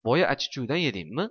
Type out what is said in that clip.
boya achichuvdan yedingmi